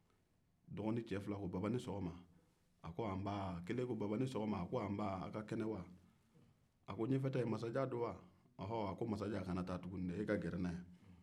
dɔgɔnin cɛ fila ko baba ni sɔgɔma a ko nbaa a' ka kɛnɛ wa a ko ɲɛfɛta in ye masajan ye wa a ko masajan kana taa tugun dɛ e ka gɛrɛ n na yan